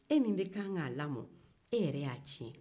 e min bɛ kan ka a lamɔ e yɛrɛ y'a tiɲɛ